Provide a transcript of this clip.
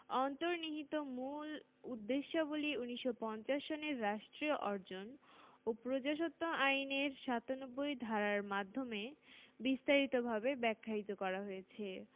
অন্তর্নিহিত মূল উদ্দেশ্যাবলী ১৯৫০ সনের রাষ্ট্রীয় অর্জন ও প্রজাস্বত্ব আইনের ৯৭ ধারার মাধ্যমে বিস্তারিতভাবে ব্যাখ্যায়িত করা হয়েছে